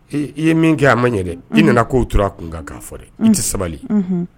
I ye min kɛ a ma ɲɛ dɛ i nana k'w tora a kun kan k'a fɔ dɛ i tɛ sabali